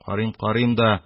Карыйм-карыйм да